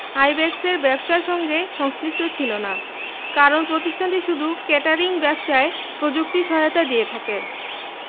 আইব্যাকসের ব্যবসার সঙ্গে সংশ্লিষ্ট ছিল না কারণ প্রতিষ্ঠানটি শুধু কেটারিং ব্যবসায় প্রযুক্তি সহায়তা দিয়ে থাকে